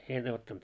en ottanut